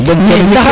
bon kay